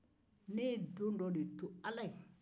ne bon dɔ de to ala ye